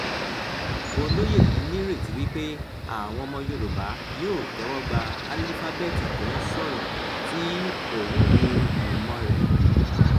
Olóyè yìí nírètí wí pé àwọn ọmọ Yorùbá yóò tẹ́wọ́ gba 'alífábẹ́ẹ̀tì t'ó ń sọ̀rọ̀ ' tí òun hu ìmọ̀ rẹ̀